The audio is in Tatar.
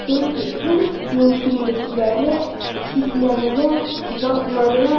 Чөнки ул мөмкинлекләре чикләнгән затларга